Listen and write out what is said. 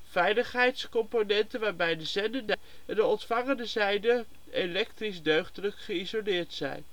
veiligheidscomponenten waarbij de zendende zijde en de ontvangende zijde elektrisch deugdelijk geïsoleerd zijn